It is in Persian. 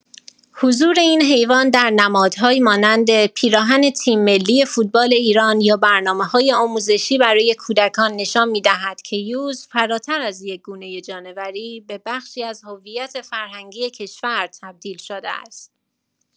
حضور این حیوان در نمادهایی مانند پیراهن تیم‌ملی فوتبال ایران یا برنامه‌‌های آموزشی برای کودکان نشان می‌دهد که یوز، فراتر از یک گونه جانوری، به بخشی از هویت فرهنگی کشور تبدیل شده است.